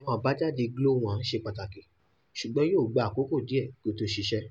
Àwọn àbájáde Glo-1 ṣe pàtàkì, ṣùgbọ́n yóò gba àkókò díẹ̀ kí ó tó ṣiṣẹ́.